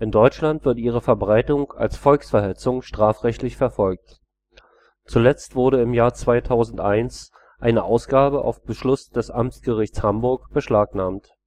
Deutschland wird ihre Verbreitung als Volksverhetzung strafrechtlich verfolgt. Zuletzt wurde im Jahr 2001 eine Ausgabe auf Beschluss des Amtsgerichts Hamburg beschlagnahmt